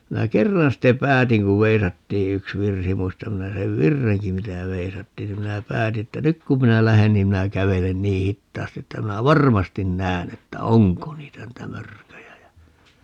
minä kerran sitten päätin kun veisattiin yksi virsi muistan minä sen virrenkin mitä veisattiin niin minä päätin että nyt kun minä lähden niin minä kävelen niin hitaasti että minä varmasti näen että onko niitä niitä mörköjä ja